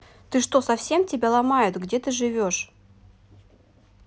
ты что совсем тебя ломают где ты живешь